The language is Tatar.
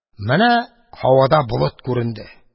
Менә һавада болыт күренде.